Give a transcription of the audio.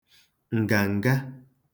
ǹgàǹga